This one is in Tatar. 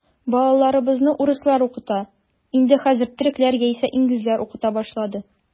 Балаларыбызны урыслар укыта, инде хәзер төрекләр яисә инглизләр укыта башлады.